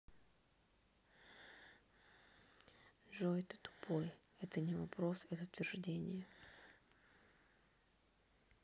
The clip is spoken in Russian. джой ты тупой это не вопрос это тверждение